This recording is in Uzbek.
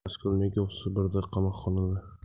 raskolnikov sibirda qamoqxonada